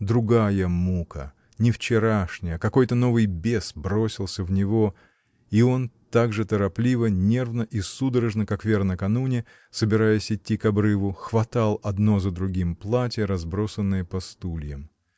Другая мука, не вчерашняя, какой-то новый бес бросился в него, — и он так же торопливо, нервно и судорожно, как Вера накануне, собираясь идти к обрыву, хватал одно за другим платья, разбросанные по стульям.